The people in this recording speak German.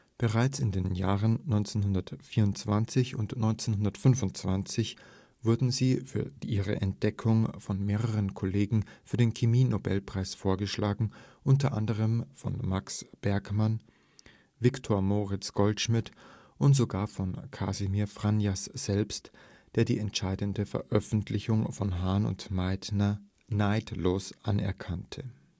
Bereits in den Jahren 1924 und 1925 wurden sie für ihre Entdeckung von mehreren Kollegen für den Chemie-Nobelpreis vorgeschlagen, unter anderem von Max Bergmann, Viktor Moritz Goldschmidt und sogar von Kasimir Fajans selbst, der die entscheidende Veröffentlichung von Hahn und Meitner neidlos anerkannte